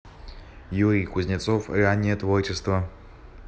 юрий кузнецов раннее творчество